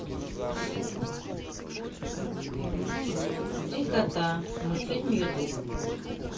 три кота мультфильм ютуб